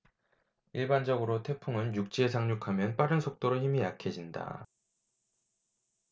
일반적으로 태풍은 육지에 상륙하면 빠른 속도로 힘이 약해진다